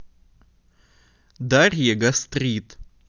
дарье гастрит